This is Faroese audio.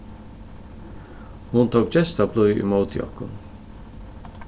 hon tók gestablíð ímóti okkum